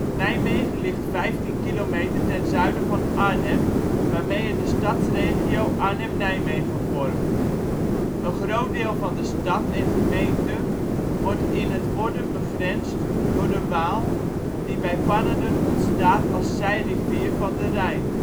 Nijmegen ligt 15 km ten zuiden van Arnhem, waarmee het de Stadsregio Arnhem Nijmegen vormt. Een groot deel van de stad en gemeente wordt in het worden begrensd door de Waal, die bij Pannerden ontstaat als zijrivier van de Rijn